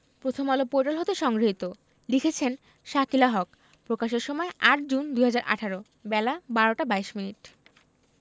Prothom Alo portal হতে সংগৃহীত লিখেছেন শাকিলা হক প্রকাশের সময় ৮জুন ২০১৮ বেলা ১২টা ২২মিনিট